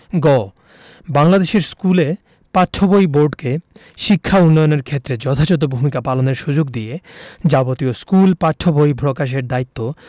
গ বাংলাদেশের স্কুলে পাঠ্য বই বোর্ডকে শিক্ষা উন্নয়নের ক্ষেত্রে যথাযথ ভূমিকা পালনের সুযোগ দিয়ে যাবতীয় স্কুল পাঠ্য বই প্রকাশের দায়িত্ব